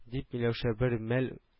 — дип, миләүшә бер мәл